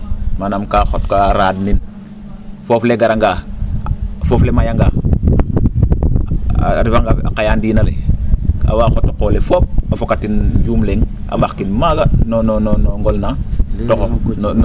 manam kaa xotkan a raarnin foof le garangaa, foof le mayanga, a refanga a qayaandiina le a waa xot o qole foop a fokatin juum le? a ?axkin maaga no no ngol naa